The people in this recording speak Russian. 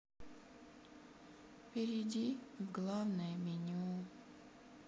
перейди в главное меню